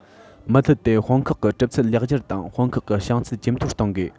མུ མཐུད དེ དཔུང ཁག གི གྲུབ ཚུལ ལེགས འགྱུར དང དཔུང ཁག གི བྱང ཚད ཇེ མཐོར གཏོང དགོས